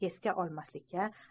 esga olmaslikka